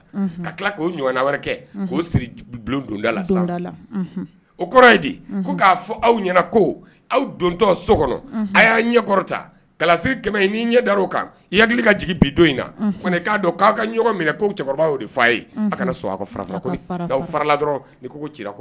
K bulon donda lada o k'a fɔ aw ɲɛna ko aw dontɔ so kɔnɔ a y'a ɲɛ tasiri kɛmɛ n'i ɲɛ da kan i hakili ka jigin bi don in na ko k'a dɔn k'a ka ɲɔgɔn minɛ ko cɛkɔrɔba de fa ye a kana so a fara farala dɔrɔn ko